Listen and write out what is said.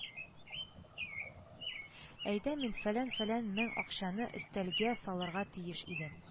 Айда мин фәлән-фәлән мең акчаны өстәлгә салырга тиеш идем